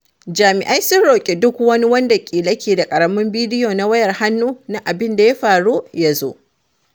Jami’ai sun roƙi duk wani wanda ƙila ke da ƙaramin bidiyo na wayar hannu na abin da ya faru da ya zo.